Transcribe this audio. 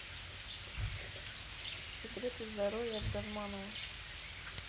секреты здоровья от газманова